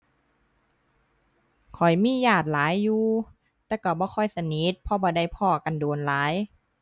ข้อยมีญาติหลายอยู่ แต่ก็บ่ค่อยสนิท เพราะบ่ได้พ้อกันโดนหลาย